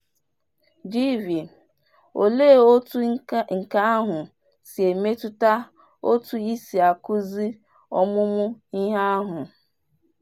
GV: Olee otú nke ahụ si emetụta otú i si akụzi ọmụmụ ihe ahụ?